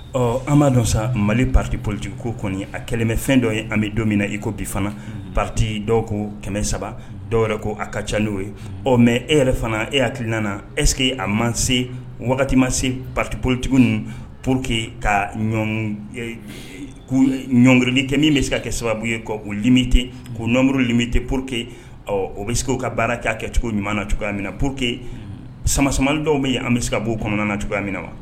Ɔ an b'a dɔn sa mali parite politi ko kɔni a kɛlɛmɛfɛn dɔ ye an bɛ don min na i ko bi fana parti dɔw ko kɛmɛ saba dɔw yɛrɛ ko a ka ca n'o ye ɔ mɛ e yɛrɛ fana e hakiliki nana essekeke a mase wagati mase pa parte politigiw ninnu pour quete ka ɲɔngkrili kɛmɛ min bɛ se ka kɛ sababu ye mite ko nɔnmuru limite pur quee ɔ o bɛ se k' ka baara kɛ kɛcogo ɲumanɲuman na cogoyamina na pour quee samas dɔw bɛ yen an bɛ se ka bɔ kɔnɔna na cogoya minɛ na wa